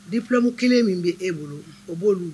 Di fulamu kelen min bɛ e bolo o b'oolu